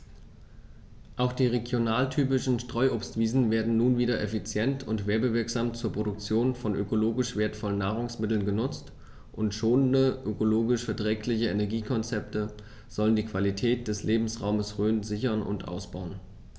Auch die regionaltypischen Streuobstwiesen werden nun wieder effizient und werbewirksam zur Produktion von ökologisch wertvollen Nahrungsmitteln genutzt, und schonende, ökologisch verträgliche Energiekonzepte sollen die Qualität des Lebensraumes Rhön sichern und ausbauen.